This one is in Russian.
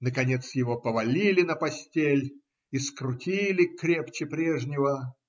Наконец его повалили на постель и скрутили крепче прежнего.